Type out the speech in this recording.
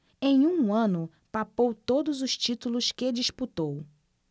em um ano papou todos os títulos que disputou